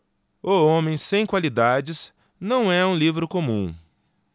o homem sem qualidades não é um livro comum